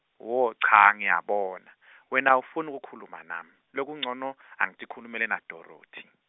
wo cha, ngiyabona, wena awufuni kukhuluma nami, lokuncono, angitikhulumele naDorothi.